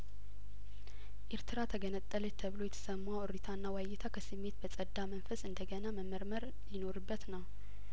ኤርትራ ተገነጠለች ተብሎ የተሰማው እሪታና ዋይታ ከስሜት በጸዳ መንፈስ እንደገና መመርመር ሊኖርበት ነው